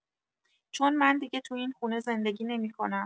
چون من دیگه تو این خونه زندگی نمی‌کنم.